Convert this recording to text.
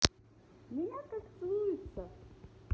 меня как целуется